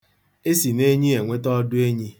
E si n'enyi enweta ọdụ enyi.